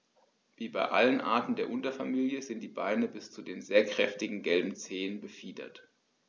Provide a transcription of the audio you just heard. Wie bei allen Arten der Unterfamilie sind die Beine bis zu den sehr kräftigen gelben Zehen befiedert.